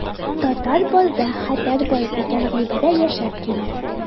Татар барда хәтәр бар дигән гыйбарә яшәп килә.